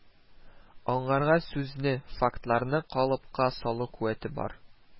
Аңарда сүзне, фактларны калыпка салу куәте бар